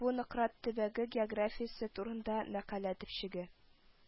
Бу Нократ төбәге географиясе турында мәкалә төпчеге